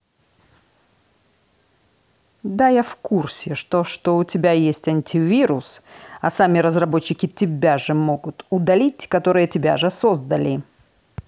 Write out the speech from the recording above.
да я в курсе что что у тебя есть антивирус а сами разработчики тебя же могут удалить которые тебя же создали